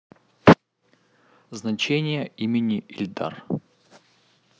значение имени ильдар